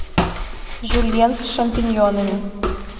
жульен с шампиньонами